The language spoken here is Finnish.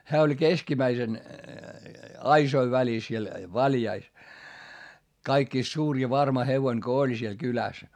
hän oli keskimmäisen aisojen välissä siellä valjaissa kaikista suurin ja varma hevonen kun oli siellä kylässä